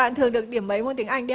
bạn thường được điểm mấy môn tiếng anh